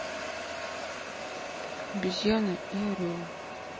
обезьяна и орел